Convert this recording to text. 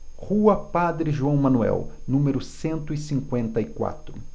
rua padre joão manuel número cento e cinquenta e quatro